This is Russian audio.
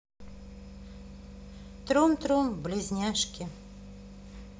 трум трум близняшки